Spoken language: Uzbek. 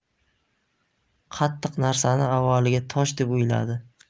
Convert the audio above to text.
qattiq narsani avvaliga tosh deb o'yladi